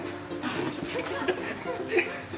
đi